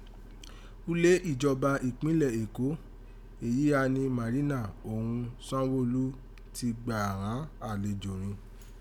Ulé ijọba ipinlẹ Eko èyí gha ni Marina òghun Sanwo Olu ti gbà ghán àlejò rin.